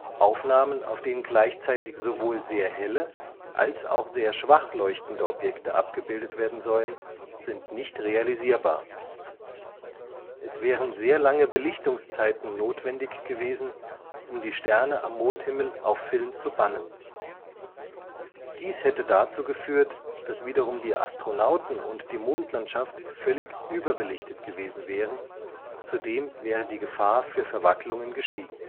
Aufnahmen, auf denen gleichzeitig sowohl sehr helle als auch sehr schwach leuchtende Objekte abgebildet werden sollen, sind nicht realisierbar. Es wären sehr lange Belichtungszeiten notwendig gewesen, um die Sterne am Mondhimmel auf Film zu bannen. Dies hätte dazu geführt, dass wiederum die Astronauten und die Mondlandschaft völlig überbelichtet gewesen wären, zudem wäre die Gefahr für Verwacklungen gestiegen